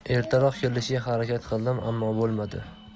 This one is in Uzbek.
ertaroq kelishga harakat qildim ammo bo'lmadi